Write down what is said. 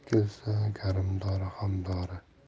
kelsa garmdori ham dori